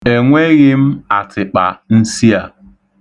Enweghị m atịkpa nsị a.